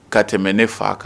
Ka tɛmɛ ne fa a kan